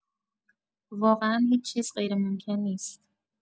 واقعا هیچ‌چیز غیرممکن نیست